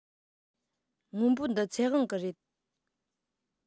སྔོན པོ འདི ཚེ དབང གི རེད